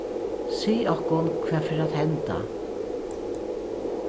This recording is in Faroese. sig okkum hvat fer at henda